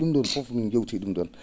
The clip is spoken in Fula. ?um ?oon fof min njeewtii ?um ?oon